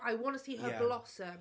I wanna see her blossom.